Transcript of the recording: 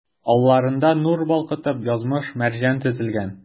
Алларыңда, нур балкытып, язмыш-мәрҗән тезелгән.